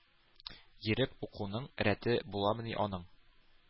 Йөреп укуның рәте буламыни аның.